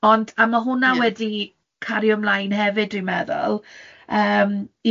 Ond a ma' hwnna wedi cario ymlaen hefyd dwi'n meddwl yym